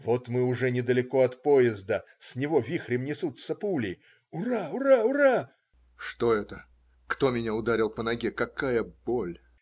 Вот мы уже недалеко от поезда. С него вихрем несутся пули. ура!. ура!. ура!. Что это?! Кто меня ударил по ноге? Какая боль!